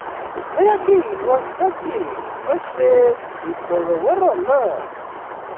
Bóyá kí ìwọ Sergey ó ṣe ìfọ̀rọ̀wọ́rọ̀ náà?